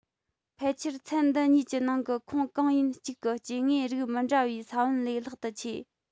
ཕལ ཆེར ཚན འདི གཉིས ཀྱི ནང གི ཁོངས གང ཡིན གཅིག གི སྐྱེ དངོས རིགས མི འདྲ བའི ས བོན ལས ལྷག ཏུ ཆེ